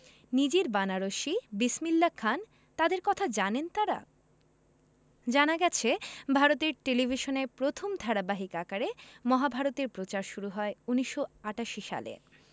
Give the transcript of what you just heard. নিজির বানারসি বিসমিল্লা খান তাঁদের কথা জানেন তাঁরা জানা গেছে ভারতের টেলিভিশনে প্রথম ধারাবাহিক আকারে মহাভারত এর প্রচার শুরু হয় ১৯৮৮ সালে